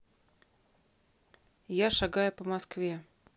я шагаю по москве